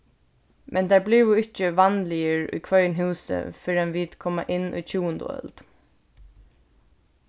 men teir blivu ikki vanligir í hvørjum húsi fyrr enn vit koma inn í tjúgundu øld